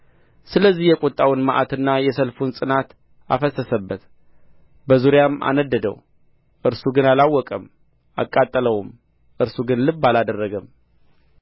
ስለዚህ የቍጣውን መዓትና የሰልፉን ጽናት አፈሰሰበት በዙሪያም አነደደው እርሱ ግን አላወቀም አቃጠለውም እርሱ ግን ልብ አላደረገም